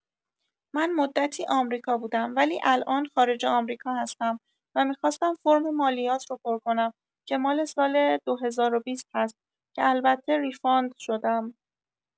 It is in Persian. من مدتی آمریکا بودم ولی الان خارج آمریکا هستم و می‌خواستم فرم مالیات رو پر کنم که مال سال ۲۰۲۰ هست که البته ریفاند شدم.